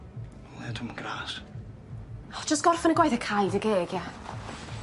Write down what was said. Wel dwi'm yn grass. Oh jest gorffen y gwaith a cau dy geg ia?